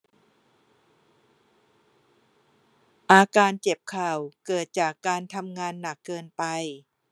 อาการเจ็บเข่าเกิดจากการทำงานหนักเกินไป